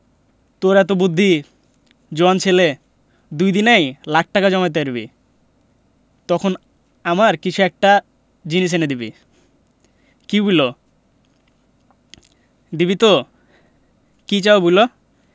তোর এত বুদ্ধি জোয়ান ছেলে দুদিনেই তুই লাখ টাকা জমাতে পারবি তখন আমার কিছু একটা জিনিস এনে দিবি কি বলো দিবি তো কি চাও বলো